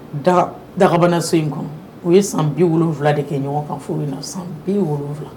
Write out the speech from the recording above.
Da dagabanaso in kɔnɔ, u ye san 70 de kɛ ɲɔgɔn kan furu in na san 70.